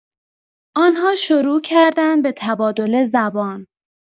آنها شروع کردند به تبادل زبان